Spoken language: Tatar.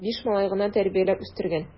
Биш малай гына тәрбияләп үстергән!